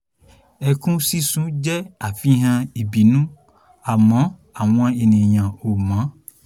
Ẹkún síssun jẹ́ àfihàn ìbínú àmọ́ àwọn èèyàn ‘ò mọ̀.